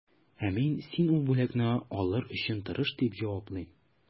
Ә мин, син ул бүләкне алыр өчен тырыш, дип җаваплыйм.